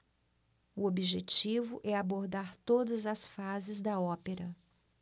o objetivo é abordar todas as fases da ópera